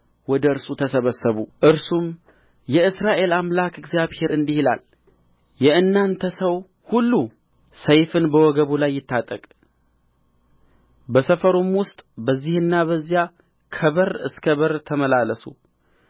ወደ እርሱ ተሰበሰቡ እርሱም የእስራኤል አምላክ እግዚአብሔር እንዲህ ይላል የእናንተ ሰው ሁሉ ሰይፉን በወገቡ ላይ ይታጠቅ በሰፈሩም ውስጥ በዚህና በዚያ ከበር እስከ በር ተመላለሱ